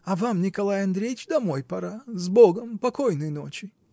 А вам, Николай Андреич, домой пора. С Богом, покойной ночи!